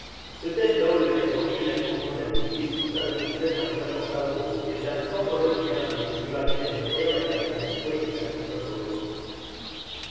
그때 들어올릴 때 선미 램프 부분에는 미수습자들이 있을 가능성이 없다고 보고 일단 세월호를 인양하는 게 중요하기 때문에 떼어냈다는 해수부의 입장이 있었고요